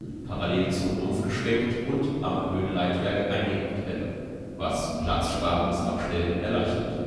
parallel zum Rumpf geschwenkt und am Höhenleitwerk eingehängt werden, was Platz sparendes Abstellen erleichtert